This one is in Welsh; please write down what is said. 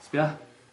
Sbia.